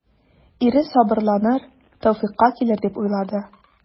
Ире сабырланыр, тәүфыйкка килер дип уйлады.